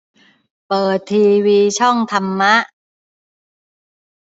เปิดทีวีช่องธรรมะ